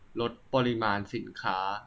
ลดปริมาณสินค้า